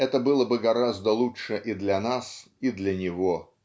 это было бы гораздо лучше и для нас и для него